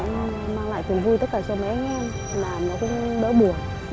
cũng vui tất cả số máy nhưng